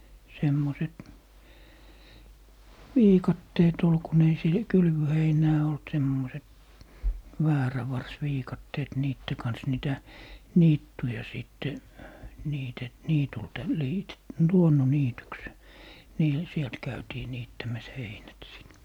semmoiset viikatteet oli kun ei se kylvöheinää ollut semmoiset väärävarsiviikatteet niiden kanssa niitä niittyjä sitten - niityltä - luonnonniityksi niillä sieltä käytiin niittämässä heinät sitten